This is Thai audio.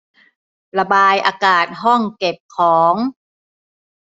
ระบายอากาศห้องเก็บของ